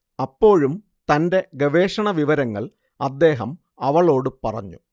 അപ്പോഴും തന്റെ ഗവേഷണവിവരങ്ങൾ അദ്ദേഹം അവളോട് പറഞ്ഞു